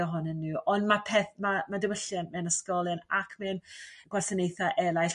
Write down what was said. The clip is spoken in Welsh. ohonyn n'w ond ma' peth ma' diwylliant mewn ysgolion ac mewn gwasanaethau eraill